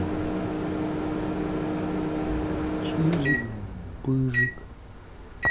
чижик пыжик